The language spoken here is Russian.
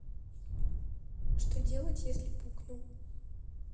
что делать если пукнул